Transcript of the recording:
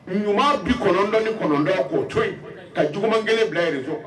Ɲuman bi kɔnɔntɔn ni kɔnɔntɔn a k'o to yen ka juguman kelen bila fɔ